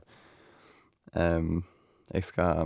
Jeg skal...